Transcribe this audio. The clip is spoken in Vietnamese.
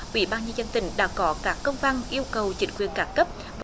ủy ban nhân dân tỉnh đã có các công văn yêu cầu chính quyền các cấp